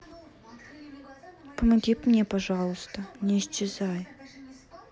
помоги мне пожалуйста не исчезай